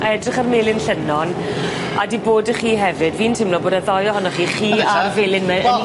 A edrych ar Melin Llynnon a 'di bod y' chi hefyd, fi'n teimlo bod y ddou ohonoch chi, chi a'r Felin me- yn un.